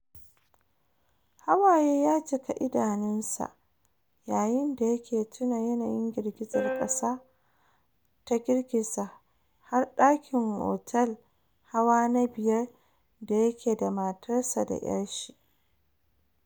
Hawaye ya cika idanunsa yayin da yake tuna yanayin girgizar kasa ta girgiza har dakin otel hawa na biyar da yake da matarsa ​​da 'yar shi.